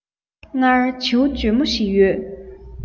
སྔར བྱིའུ འཇོལ མོ ཞིག ཡོད